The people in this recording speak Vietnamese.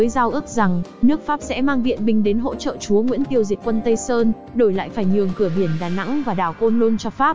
với giao ước rằng nước pháp sẽ mang viện binh đến hỗ trợ chúa nguyễn tiêu diệt quân tây sơn đổi lại phải nhường cửa biển đà nẵng và đảo côn lôn cho pháp